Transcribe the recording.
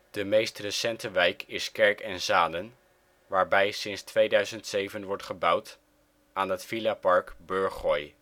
De meest recente wijk is Kerk en Zanen waarbij sinds 2007 wordt gebouwd aan het villapark Burggooi